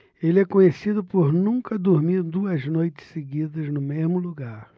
ele é conhecido por nunca dormir duas noites seguidas no mesmo lugar